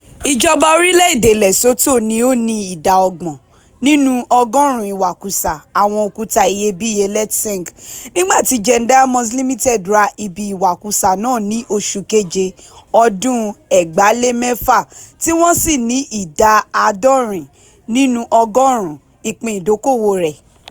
Ìjọba orílẹ̀ èdè Lesotho ni ó ni ìdá 30 nínú ọgọ́rùn-ún Ìwakùsà àwọn Òkúta Iyebíye Letseng, nígbà tí Gen Diamonds Limited ra ibi ìwakùsà náà ní oṣù Keje ọdún 2006 tí wọ́n sì ni ìdá 70 nínú ọgọ́rùn-ún ìpín ìdókowò rẹ̀.